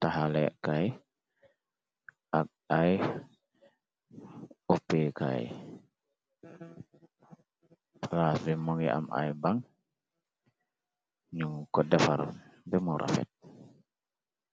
taxalekay ak ay oppkay , palaas bi mu ngi amme ay baŋ ñu ko defar bem rafet.